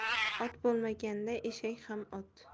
ot bo'lmaganda eshak ham ot